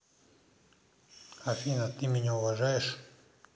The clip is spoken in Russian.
афина ты меня уважаешь